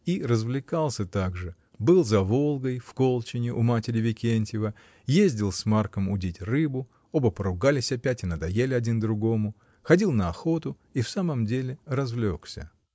и развлекался также: был за Волгой, в Колчине, у матери Викентьева, ездил с Марком удить рыбу, оба поругались опять и надоели один другому, ходил на охоту — и в самом деле развлекся.